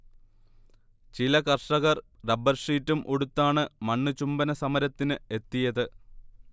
ചില കർഷകർ റബ്ബർഷീറ്റും ഉടുത്താണ് മണ്ണ് ചുംബന സമരത്തിന് എത്തിയത്